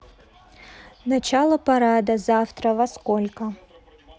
начало парада завтра во сколько